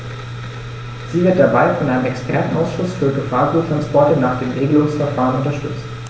Sie wird dabei von einem Expertenausschuß für Gefahrguttransporte nach dem Regelungsverfahren unterstützt.